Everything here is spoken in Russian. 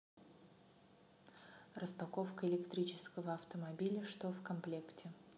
распаковка электрического автомобиля что в комплекте